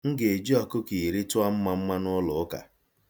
M ga-eji ọkụkọ iri tụọ mmamma n'ụlụụka.